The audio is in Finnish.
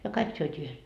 ja kaikki syötiin yhdessä